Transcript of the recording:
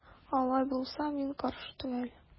Алай булса мин каршы түгел.